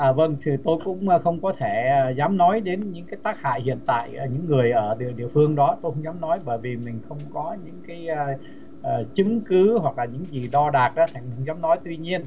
à vâng thừ tôi cũng không có thể à dám nói đến những cái tác hại hiện tại ở những người ở địa địa phương đó tôi dám nói bởi vì mình không có những cái à chứng cứ hoặc là những gì đo đạc thành ra không giám nói tuy nhiên